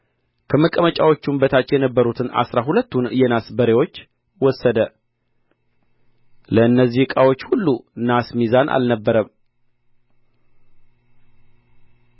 ከመቀመጫዎቹም በታች የነበሩትን አሥራ ሁለቱን የናስ በሬዎች ወሰደ ለእነዚህ ዕቃዎች ሁሉ ናስ ሚዛን አልነበረም